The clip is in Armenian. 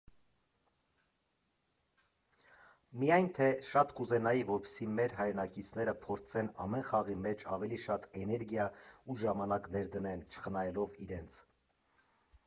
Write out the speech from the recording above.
Միայն թե շատ կուզենայի, որպեսզի մեր հայրենակիցները փորձեն ամեն խաղի մեջ ավելի շատ էներգիա ու ժամանակ ներդնեն՝ չխնայելով իրենց։